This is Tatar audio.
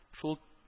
Шул